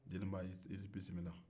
deniba i bisimila